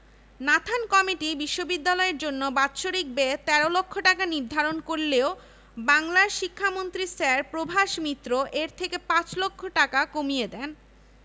পরিবর্তিত প্রথম মনোগ্রামে আরবিতে ইকরা বিস্মে রাবিবকাল লাজি খালাক্ক ১৯৫২ ৭২ দ্বিতীয় মনোগ্রামে শিক্ষাই আলো ১৯৭২ ৭৩